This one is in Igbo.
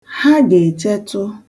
Ha ga-echetụ.